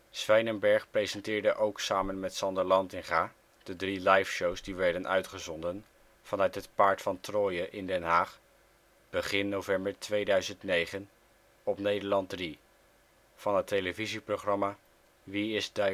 Swijnenberg presenteerde ook samen met Sander Lantinga de drie liveshows die werden uitgezonden vanuit het Paard van Troje in Den Haag begin november 2009 op Nederland 3, van het televisieprogramma Wie is Di-rect